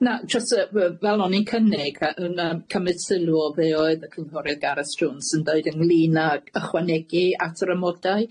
Na jyst yy we- fel o'n i'n cynnig yy yn yym cymryd sylw o be' o'dd y cynghorydd Gareth Jones yn dweud ynglyn ag ychwanegu at yr amodau.